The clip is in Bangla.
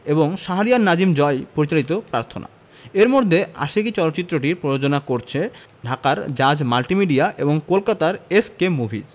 এবং শাহরিয়ার নাজিম জয় পরিচালিত প্রার্থনা এর মধ্যে আশিকী চলচ্চিত্রটি প্রযোজনা করছে ঢাকার জাজ মাল্টিমিডিয়া এবং কলকাতার এস কে মুভিজ